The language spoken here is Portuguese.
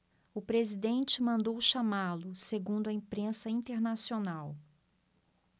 o presidente mandou chamá-lo segundo a imprensa internacional